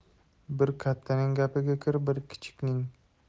bir kattaning gapiga kir bir kichikning